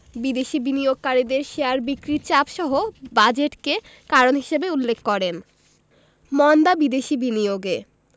বিদেশি বিনিয়োগকারীদের শেয়ার বিক্রির চাপসহ বাজেটকে কারণ হিসেবে উল্লেখ করেন মন্দা বিদেশি বিনিয়োগে